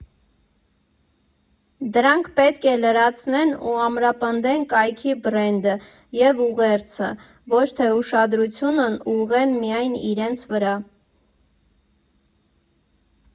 Դրանք պետք է լրացնեն ու ամրապնդեն կայքի բրենդը և ուղերձը, ոչ թե ուշադրությունն ուղղեն միայն իրենց վրա։